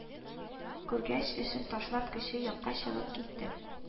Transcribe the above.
Күргәч, эшен ташлап, кече якка чыгып китте